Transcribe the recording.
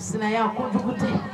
Sinan ko dugutigi tɛ